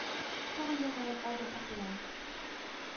Тагын елмаеп алды пәһлеван.